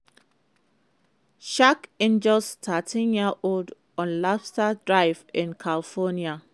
Shark injures 13-year-old on lobster dive in California